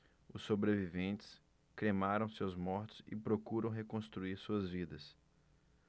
os sobreviventes cremaram seus mortos e procuram reconstruir suas vidas